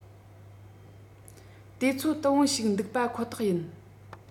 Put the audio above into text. དུས ཚོད དུམ བུ ཞིག འདུག པ ཁོ ཐག ཡིན